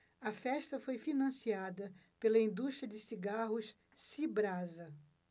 a festa foi financiada pela indústria de cigarros cibrasa